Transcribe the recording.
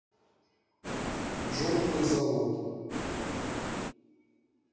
джунгли зовут